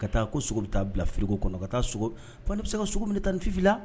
Ka taa sogo bɛ taa bila fko kɔnɔ ka taa bɛ se ka sogo minɛ tan ni fifi la